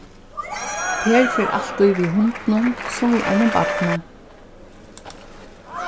per fer altíð við hundinum sum við einum barni